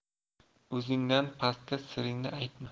o'zingdan pastga siringni aytma